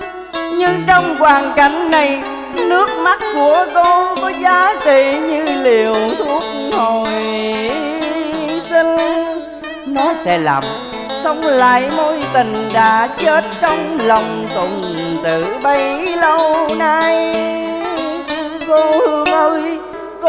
nhưng trong hoàn cảnh này nước mắt của cô có giá trị như liều thuốc hồi sinh nó sẽ làm sống lại mối tình đã chết trong lòng công tử bấy lâu nay cô hương ơi